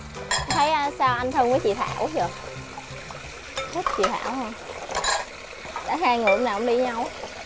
em thấy sao anh thân với chị thảo dợ thích chị thảo hả để hai người lúc nào cũng đi với nhau